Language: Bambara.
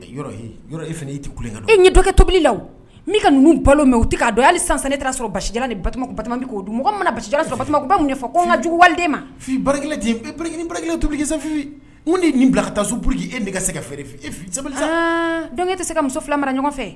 Tobili la balo min u'a don hali san san ne sɔrɔ mɔgɔ mana u b' fɔ ko n ka juguden ma tobili ni nin bila ka taauruki e nɛgɛ se kakɛ tɛ se ka muso fila mara ɲɔgɔn fɛ